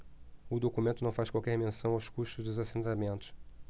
o documento não faz qualquer menção aos custos dos assentamentos